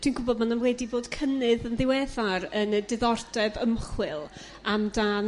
Dwi'n gwybod bo' na wedi bod cynnydd yn ddiweddar yn y diddordeb ymchwil am dan